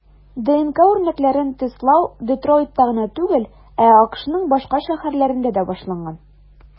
ДНК үрнәкләрен тестлау Детройтта гына түгел, ә АКШның башка шәһәрләрендә дә башланган.